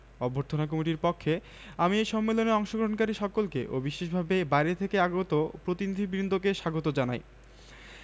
অভ্যর্থনা কমিটির পক্ষে আমি এই সম্মেলনে অংশগ্রহণকারী সকলকে ও বিশেষভাবে বাইরে থেকে আগত প্রতিনিধিবৃন্দকে স্বাগত জানাই